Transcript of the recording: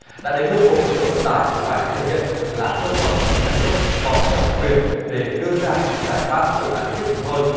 đã đến lúc bộ giao thông vận tải phải thể hiện là cơ quan quản lý nhà nước có thẩm quyền để đưa ra những giải pháp phương án tích cực hơn